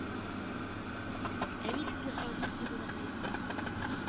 — ә мин сезне француз дип уйлаган идем